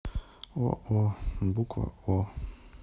о о буква о